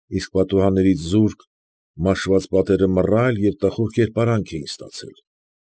Իսկ պատուհաններից զուրկ, մաշված պատերը մռայլ և տխուր կերպարանք էին ստացել։